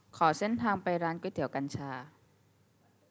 ขอเส้นทางไปร้านก๋วยเตี๋ยวกัญชา